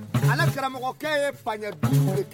Ale karamɔgɔkɛ ye fa ye kɛ